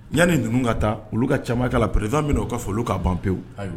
Yanani ninnu ka taa olu ka ca kan la pre min u ka foli kaa ban pewu